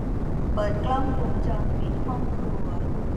เปิดกล้องวงจรปิดห้องครัว